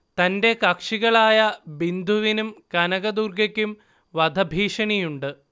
തന്റെ കക്ഷികളായ ബിന്ദുവിനും കനക ദുർഗക്കും വധഭീഷണിയുണ്ട്